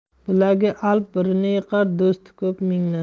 bilagi alp birni yiqar do'sti ko'p mingni